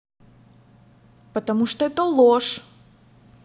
потому что это ложь